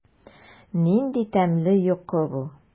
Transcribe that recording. Нинди тәмле йокы бу!